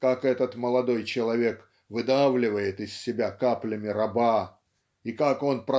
как этот молодой человек выдавливает из себя каплями раба и как он